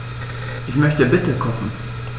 Ich möchte bitte kochen.